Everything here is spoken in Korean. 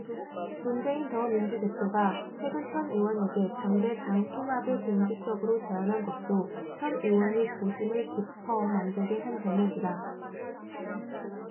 문재인 더민주 대표가 최근 천 의원에게 당대 당 통합을 공식적으로 제안한 것도 천 의원의 고심을 깊어 만들게 한 대목이다